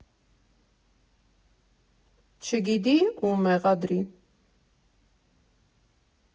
Չգիտի՝ ո՞ւմ մեղադրի։